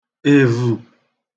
èvə̀